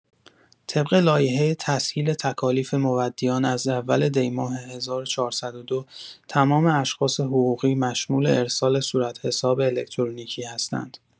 طبق لایحه تسهیل تکالیف مودیان از اول دی‌ماه ۱۴۰۲ تمام اشخاص حقوقی مشمول ارسال صورتحساب الکترونیکی هستند.